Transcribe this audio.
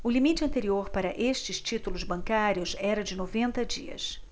o limite anterior para estes títulos bancários era de noventa dias